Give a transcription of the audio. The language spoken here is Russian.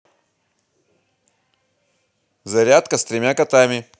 зарядка с тремя котами